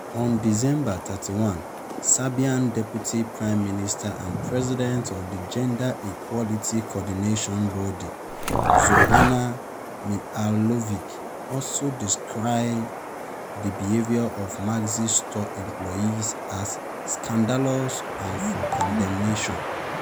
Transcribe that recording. On December 31, Serbian Deputy Prime Minister and President of the Gender Equality Coordination Body, Zorana Mihajlović, also decried the behavior of Maxi store employees as “scandalous and for condemnation.